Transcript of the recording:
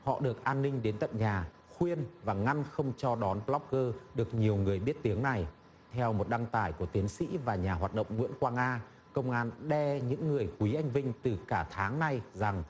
họ được an ninh đến tận nhà khuyên và ngăn không cho đón bờ lốc gơ được nhiều người biết tiếng này theo một đăng tải của tiến sĩ và nhà hoạt động nguyễn quang nga công an đe những người quý anh vinh từ cả tháng nay rằng